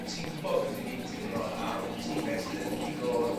ti'n gwbod beth 'yf fi'n timlo am time sydd yn pigo